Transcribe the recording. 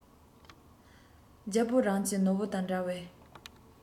རྒྱལ པོས རང གྱི ནོར བུ དང འདྲ བའི